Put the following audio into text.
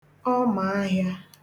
ọmàahịā